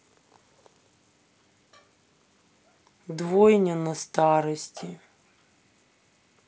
двойня на старости